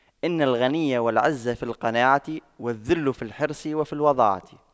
إن الغنى والعز في القناعة والذل في الحرص وفي الوضاعة